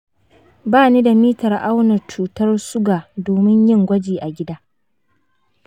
bani da mitar auna cutar suga domin yin gwaji a gida.